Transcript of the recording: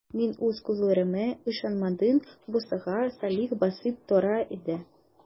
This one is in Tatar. Мин үз күзләремә ышанмадым - бусагада Салих басып тора иде.